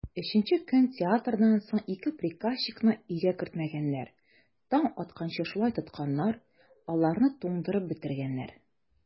Өченче көн театрдан соң ике приказчикны өйгә кертмәгәннәр, таң атканчы шулай тотканнар, аларны туңдырып бетергәннәр.